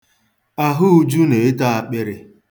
Ahụ Uju na-eto akpịrị.